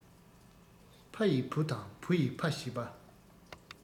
ཕ ཡིས བུ དང བུ ཡིས ཕ བྱེད པ